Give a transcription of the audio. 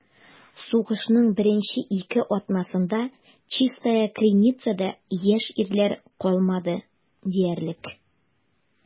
Сугышның беренче ике атнасында Чистая Криницада яшь ирләр калмады диярлек.